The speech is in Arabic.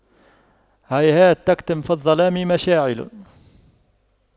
هيهات تكتم في الظلام مشاعل